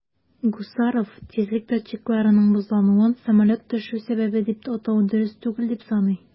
Гусаров тизлек датчикларының бозлануын самолет төшү сәбәбе дип атау дөрес түгел дип саный.